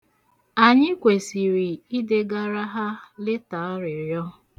Anyị kwesiri ideghara ha leta arịrịọ.